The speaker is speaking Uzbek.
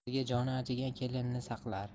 qiziga joni achigan kelinini saqlar